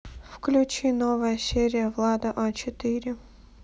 включи новая серия влада а четыре